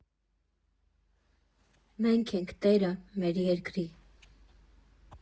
֊ Մենք ենք տերը մեր երկիր։